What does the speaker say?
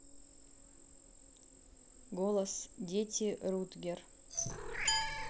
голос дети рутгер